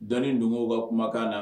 Dɔnni don ka kumakan na